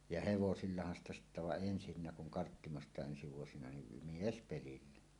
ja hevosillahan sitä sitten vaan ensin kun Karttimostakin ensi vuosina niin miespelillä